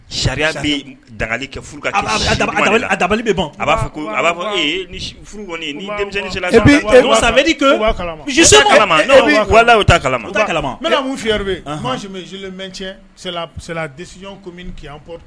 Sariya bɛ dabali kɛbali a b'a fɔa kala kala kalama fisi